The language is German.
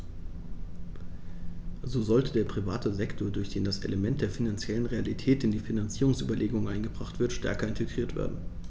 So sollte der private Sektor, durch den das Element der finanziellen Realität in die Finanzierungsüberlegungen eingebracht wird, stärker integriert werden.